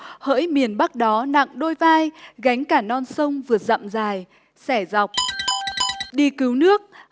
hỡi miền bắc đó nặng đôi vai gánh cả non sông vượt dặm dài xẻ dọc đi cứu nước